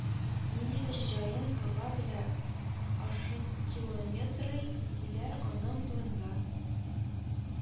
Ниндидер җаен таба белә, ашы километрый, диләр аның турында